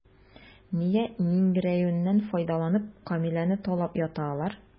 Нигә миңгерәюеннән файдаланып, Камиләне талап ята алар?